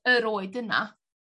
yr oed yna